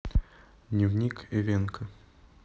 дневник эвенка